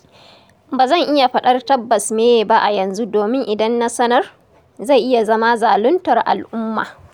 Ba zan iya faɗar tabbas me ye ba a yanzu domin idan na sanar, zai iya zama zaluntar al'umma.